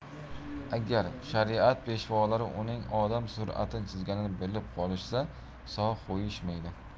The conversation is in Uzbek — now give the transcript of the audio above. agar shariat peshvolari uning odam suratini chizganini bilib qolishsa sog' qo'yishmaydi